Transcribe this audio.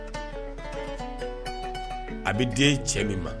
A bɛ den cɛ min ma